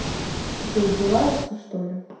ты что издеваешься что ли